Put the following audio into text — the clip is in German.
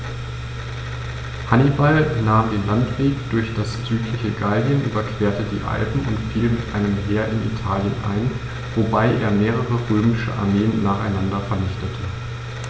Hannibal nahm den Landweg durch das südliche Gallien, überquerte die Alpen und fiel mit einem Heer in Italien ein, wobei er mehrere römische Armeen nacheinander vernichtete.